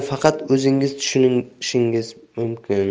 faqat o'zingiz tushunishingiz mumkin